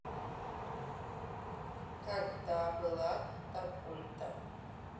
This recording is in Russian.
когда была катапульта